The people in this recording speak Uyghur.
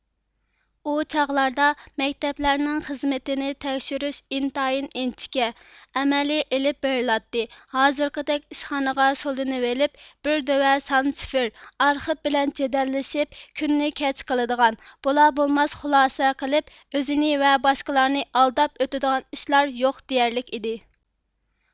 ئۇ چاغلاردا مەكتەپلەرنىڭ خىزمىتىنى تەكشۈرۈش ئىنتايىن ئىنچىكە ئەمەلىي ئېلىپ بېرىلاتتى ھازىرقىدەك ئىشخانىغا سولىنىۋىلىپ بىر دۆۋە سان سىفىر ئارخىپ بىلەن جېدەللىشىپ كۈننى كەچ قىلىدىغان بولا بولماس خۇلاسە قىلىپ ئۆزىنى ۋە باشقىلارنى ئالداپ ئۆتىدىغان ئىشلار يوق دېيەرلىك ئىدى